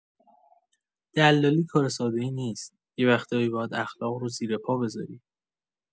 دلالی کار ساده‌ای نیست، یه وقتایی باید اخلاق رو زیر پا بزاری!